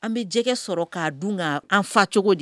An bɛ jɛgɛ sɔrɔ k'a dun ka an fa cogo di?